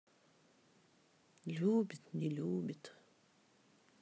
любит не любит